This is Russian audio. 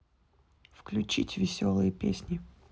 включить веселые песни